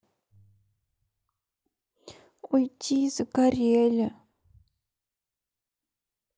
уйти загорели